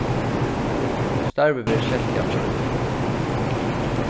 starvið verður sett í apríl